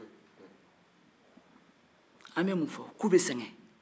an b'a fɔ k'u bɛ sɛgɛn